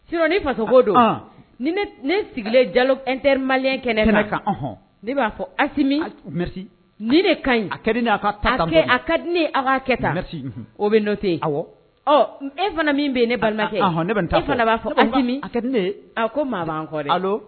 S ne faso ko don ne sigilen jalo terima kɛnɛ kan ne b'a fɔ ka ɲi a ka di ne ka kɛ taa o bɛ yen e fana min bɛ ne b'a fɔ e a ko maa'